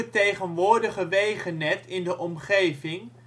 tegenwoordige wegennet in de omgeving